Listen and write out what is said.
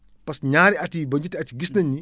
parce que ñaari at yii ba ñetti at yi gis nañ ni